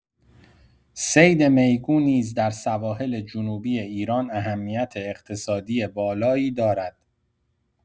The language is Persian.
صید میگو نیز در سواحل جنوبی ایران اهمیت اقتصادی بالایی دارد.